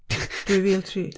dwy fil tri.